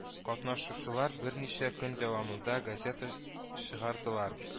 Катнашучылар берничә көн дәвамында газета чыгардылар